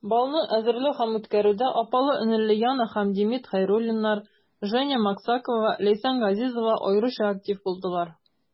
Балны әзерләү һәм үткәрүдә апалы-энеле Яна һәм Демид Хәйруллиннар, Женя Максакова, Ләйсән Газизова аеруча актив булдылар.